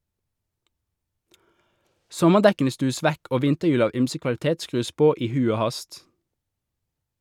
Sommerdekkene stues vekk og vinterhjul av ymse kvalitet skrus på i hui og hast.